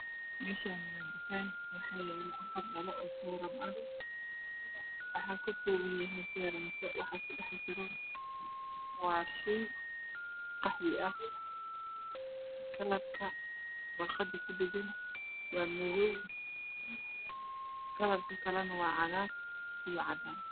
Meshani aaa dukan waxaa yalaa hal xabo seram ah wuxuu ka koban yahay shey qaxwi ah waraqa ku dhegan waa madow